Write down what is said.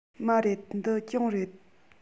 མ རེད འདི གྱང རེད